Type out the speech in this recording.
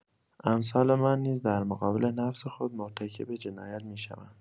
امثال من نیز در مقابل نفس خود مرتکب جنایت می‌شوند.